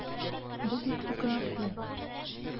Бу бик үкенечле.